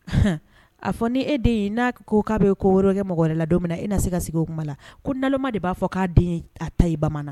H a fɔ ni e den ye n'a ko k'a bɛ ko worokɛ mɔgɔ wɛrɛ la donmina e na se ka sigi o kuma ko nama de b'a fɔ k'a den a ta bamanan